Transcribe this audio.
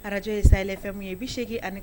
Radio ye Sahɛli FM ye 80 ani